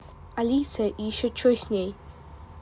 алиса и еще че с ней